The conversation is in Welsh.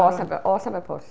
O Llanfair, o Llanfairpwll.